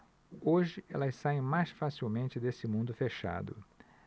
hoje elas saem mais facilmente desse mundo fechado